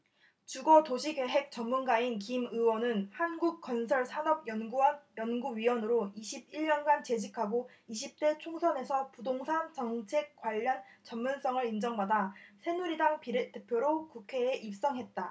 주거 도시계획 전문가인 김 의원은 한국건설산업연구원 연구위원으로 이십 일 년간 재직하고 이십 대 총선에서 부동산 정책 관련 전문성을 인정받아 새누리당 비례대표로 국회에 입성했다